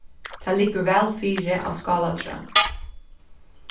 tað liggur væl fyri á skálatrøð